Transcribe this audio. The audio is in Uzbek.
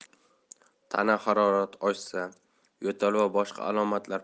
tana harorati oshsa yo'tal va boshqa alomatlar